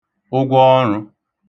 ụgwọọṙụ̄